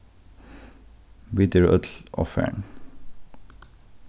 vit eru øll ovfarin